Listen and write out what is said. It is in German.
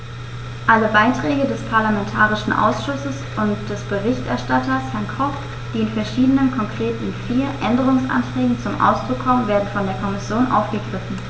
Alle Beiträge des parlamentarischen Ausschusses und des Berichterstatters, Herrn Koch, die in verschiedenen, konkret in vier, Änderungsanträgen zum Ausdruck kommen, werden von der Kommission aufgegriffen.